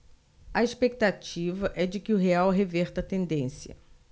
a expectativa é de que o real reverta a tendência